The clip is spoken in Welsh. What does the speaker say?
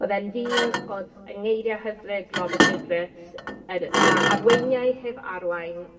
O'dd e'n ddyn o'dd yng ngeirie hyfryd Robert Idris, yr a- arweiniau heb arwain,